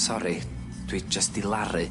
Sori, dwi jyst i laru.